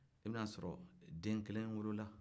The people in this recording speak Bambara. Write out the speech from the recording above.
i bɛ n'a sɔrɔ den kelen wolo la